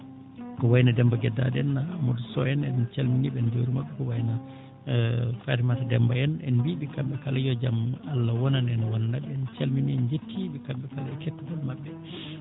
ko wayi no Demba Geddad en Amadou Sow en calminii ɓe en njuuriima ɓe ko wayi no Fatimata Demba en mbiyii ɓe kamɓe kala yo jam Allah wonan en wonana ɓe en calminii en njettii ɓe kamɓe kala e kettagol maɓɓe